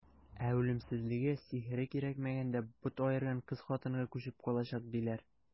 Ә үлемсезлеге, сихере кирәкмәгәндә бот аерган кыз-хатынга күчеп калачак, диләр.